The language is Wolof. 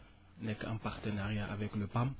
nekk en partenariat avec le PAM